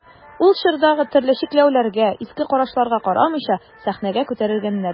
Ул чордагы төрле чикләүләргә, иске карашларга карамыйча сәхнәгә күтәрелгәннәр.